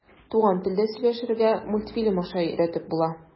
Туган телдә сөйләшергә мультфильм аша өйрәтеп була.